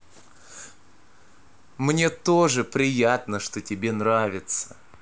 ну мне тоже приятно что тебе нравится